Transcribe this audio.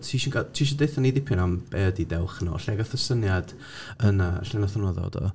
Ti isio ca- ti isio deud wrthyn ni dipyn am be ydy Dewch Yn Ôl, lle gaeth y syniad yna, lle wnaeth hwnna ddod o?